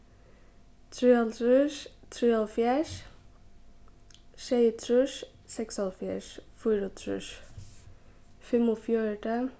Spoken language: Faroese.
trýoghálvtrýss trýoghálvfjerðs sjeyogtrýss seksoghálvfjerðs fýraogtrýss fimmogfjøruti